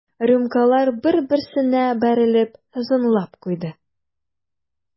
Рюмкалар бер-берсенә бәрелеп зыңлап куйды.